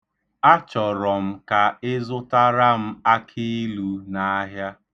Achọrọ m ka ị zụtara m akiilu n'ahịa.